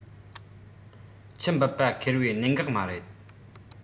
ཆུ འབུད པ ཁེར བོའི གནད འགག མ རེད